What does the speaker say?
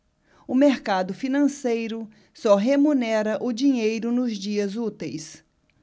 o mercado financeiro só remunera o dinheiro nos dias úteis